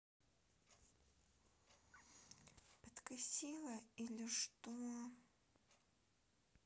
подкосило или что